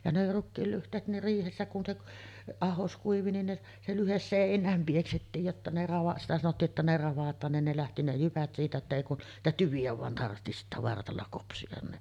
ja ne rukiin lyhteet ne riihessä kun se - ahdos kuivui niin ne se lyhde seinään pieksettiin jotta ne - sitä sanottiin että ne ravataan niin ne lähti ne jyvät siitä että ei kuin niitä tyviä vain tarvitsi sitten vartalla kopsia niin